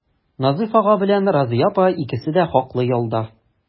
Назыйф ага белән Разыя апа икесе дә хаклы ялда.